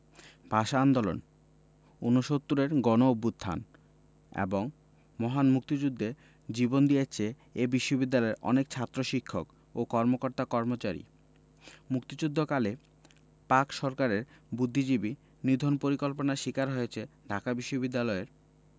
ভাষা আন্দোলন উনসত্তুরের গণঅভ্যুত্থান এবং মহান মুক্তিযুদ্ধে জীবন দিয়েছেন এ বিশ্ববিদ্যালয়ের অনেক ছাত্র শিক্ষক ও কর্মকর্তা কর্মচারী মুক্তিযুদ্ধকালে পাক সরকারের বুদ্ধিজীবী নিধন পরিকল্পনার শিকার হয়েছে ঢাকা বিশ্ববিদ্যালয়ের